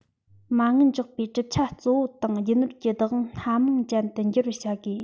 མ དངུལ འཇོག པའི གྲུབ ཆ གཙོ བོ དང རྒྱུ ནོར གྱི བདག དབང སྣ མང ཅན དུ འགྱུར བར བྱ དགོས